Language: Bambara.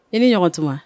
I ni ɲɔgɔntuma